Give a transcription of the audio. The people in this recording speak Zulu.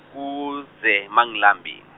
kuze mangilambile.